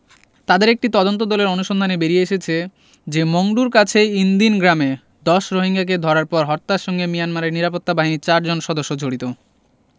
তাদের একটি তদন্তদলের অনুসন্ধানে বেরিয়ে এসেছে যে মংডুর কাছে ইনদিন গ্রামে ১০ রোহিঙ্গাকে ধরার পর হত্যার সঙ্গে মিয়ানমারের নিরাপত্তা বাহিনীর চারজন সদস্য জড়িত